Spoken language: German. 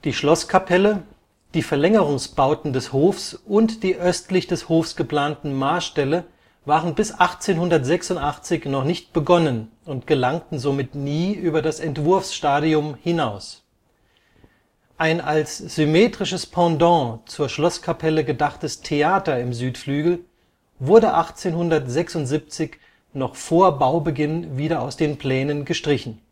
Schlosskapelle, die Verlängerungsbauten des Hofs und die östlich des Hofs geplanten Marställe waren bis 1886 noch nicht begonnen und gelangten somit nie über das Entwurfsstadium hinaus. Ein als symmetrisches Pendant zur Schlosskapelle gedachtes Theater im Südflügel wurde 1876 noch vor Baubeginn wieder aus den Plänen gestrichen